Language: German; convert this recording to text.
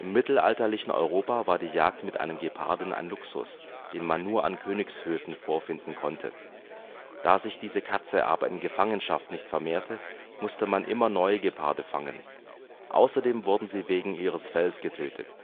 mittelalterlichen Europa war die Jagd mit einem Geparden ein Luxus, den man nur an Königshöfen vorfinden konnte. Da sich diese Katze aber in Gefangenschaft nicht vermehrte, musste man immer neue Geparde fangen; außerdem wurden sie wegen ihres Fells getötet